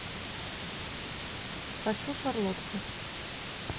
хочу шарлотку